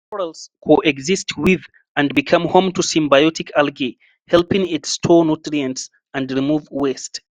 Corals coexist with and become home to symbiotic algae, helping it store nutrients and remove waste.